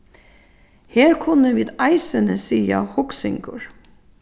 her kunnu vit eisini siga hugsingur